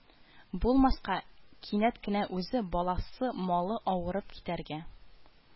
Булмаска, кинәт кенә үзе, баласы, малы авырып китәргә